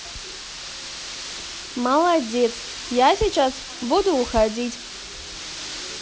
молодец я сейчас буду уходить